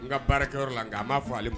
N ka baarakɛyɔrɔ la nka a m'a fɔ ale ma